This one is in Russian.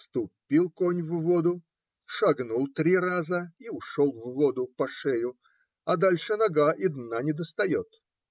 Ступил конь в воду, шагнул три раза и ушел в воду по шею, а дальше нога и дна не достает.